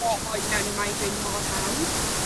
troi mewn i migraine mor hawdd.